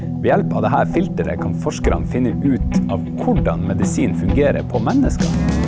ved hjelp av det her filteret kan forskerne finne ut av hvordan medisin fungerer på mennesker.